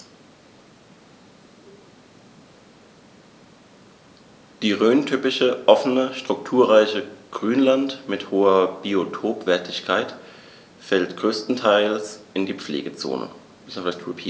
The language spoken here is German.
Das rhöntypische offene, strukturreiche Grünland mit hoher Biotopwertigkeit fällt größtenteils in die Pflegezone.